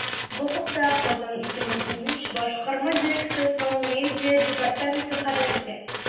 Бу хакта “Казан 2013” башкарма дирекциясенең медиа департаменты хәбәр итә.